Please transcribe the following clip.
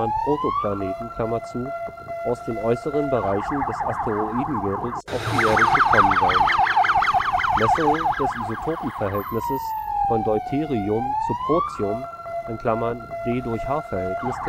Protoplaneten) aus den äußeren Bereichen des Asteroidengürtels auf die Erde gekommen sein. Messungen des Isotopenverhältnisses von Deuterium zu Protium (D/H-Verhältnis